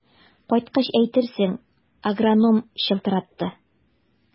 Кайткач әйтерсең, агроном чылтыратты.